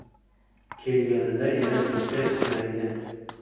kelganida yana bitta tishlaydi